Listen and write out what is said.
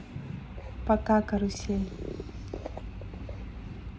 пока карусель